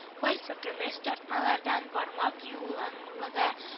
Кайсы көмеш тартмалардан бармак юанлыгы